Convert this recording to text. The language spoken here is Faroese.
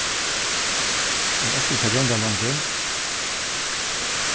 eg orki ikki at ganga longur